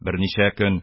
Берничә көн: